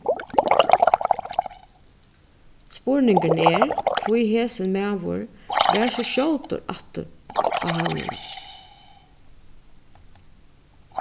spurningurin er hví hesin maður var so skjótur aftur á havnina